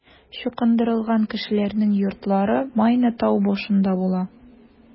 Чукындырылган кешеләрнең йортлары Майна тау башында була.